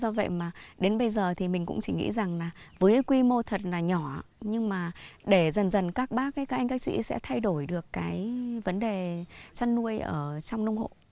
do vậy mà đến bây giờ thì mình cũng chỉ nghĩ rằng là với quy mô thật là nhỏ nhưng mà để dần dần các bác các anh các chị sẽ thay đổi được cái vấn đề chăn nuôi ở trong nông hộ